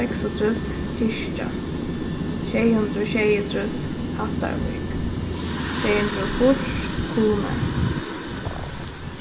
seksogtrýss kirkja sjey hundrað og sjeyogtrýss hattarvík sjey hundrað og fýrs kunoy